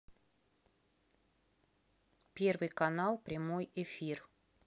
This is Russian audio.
первый канал прямой эфир